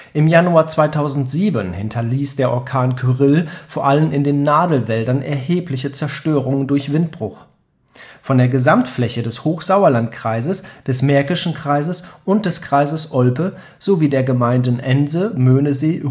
Im Januar 2007 hinterließ der Orkan Kyrill vor allem in den Nadelwäldern erhebliche Zerstörungen durch Windbruch. Von der Gesamtfläche des Hochsauerlandkreises, des Märkischen Kreises und des Kreises Olpe sowie der Gemeinden Ense, Möhnesee